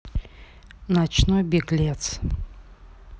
ночной беглец